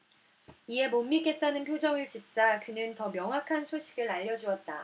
이에 못 믿겠다는 표정을 짓자 그는 더 명확한 소식을 알려주었다